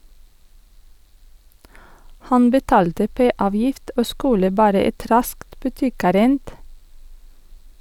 Han betalte P- avgift og skulle bare et raskt butikkærend.